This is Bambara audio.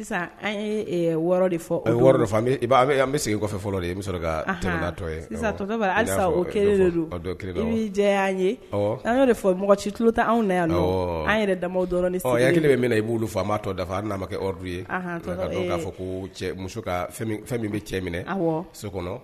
Wɔɔrɔ de fɔ an bɛ segin kɔfɛ fɔlɔ de bɛ sɔrɔtɔ y'a ye fɔ mɔgɔ ci tulo anw na yan an yɛrɛ da dɔrɔn kelen bɛ min i b'olu fɔ a b'a dafa a nana ma kɛdu ye'a fɔ ko muso ka fɛn min bɛ cɛ minɛ so kɔnɔ